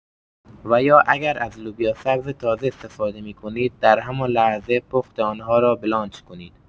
و یا اگر از لوبیا سبز تازه استفاده می‌کنید در همان لحظه پخت آنها را بلانچ کنید.